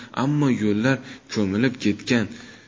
ammo yo'llar ko'milib ketgan